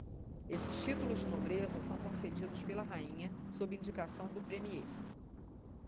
esses títulos de nobreza são concedidos pela rainha sob indicação do premiê